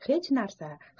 hech narsa